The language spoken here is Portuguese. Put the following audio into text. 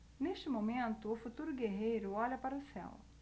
neste momento o futuro guerreiro olha para o céu